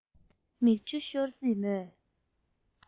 མིག ཆུ ཤོར སྲིད མོད